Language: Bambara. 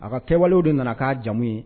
A ka kɛwalew de nana ka jamu ye.